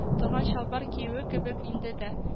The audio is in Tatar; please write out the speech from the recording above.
Торган чалбар киюе кебек инде дә